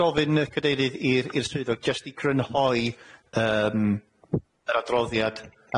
gofyn y cadeirydd i'r i'r swyddog jyst i crynhoi yym yr adroddiad